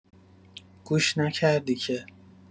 گوش نکردی که.